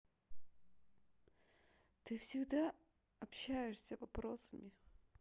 ты всегда общаешься вопросами